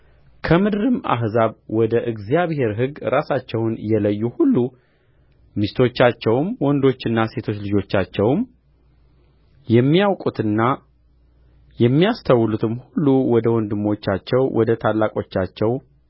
ከምድርም አሕዛብ ወደ እግዚአብሔር ሕግ ራሳቸውን የለዩ ሁሉ ሚስቶቻቸውም ወንዶችና ሴቶች ልጆቻቸውም የሚያውቁትና የሚያስተውሉትም ሁሉ ወደ ወንድሞቻቸው ወደ ታላላቆቻቸው